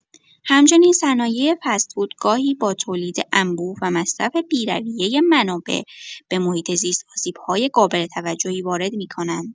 همچنین صنایع فست‌فود گاهی با تولید انبوه و مصرف بی‌رویه منابع، به محیط‌زیست آسیب‌های قابل توجهی وارد می‌کنند.